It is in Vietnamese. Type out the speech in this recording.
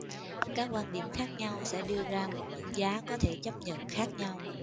các quan điểm khác nhau sẽ đưa ra một ngưỡng giá có thể chấp nhận khác nhau